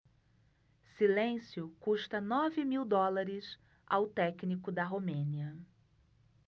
silêncio custa nove mil dólares ao técnico da romênia